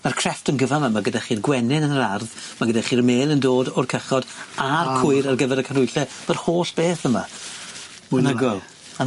Ma'r crefft yn gyfan 'ma ma' gyda chi'r gwenyn yn yr ardd ma' gyda chi'r mêl yn dod o'r cychod a'r cwyr ar gyfer y canwylle ma'r holl beth yma. Mwy nygoel. Anhygoel.